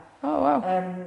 O waw! Yym...